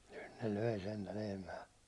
nyt ne löi sentään lehmää